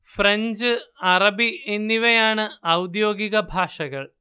French അറബി എന്നിവയാണ് ഔദ്യോഗിക ഭാഷകൾ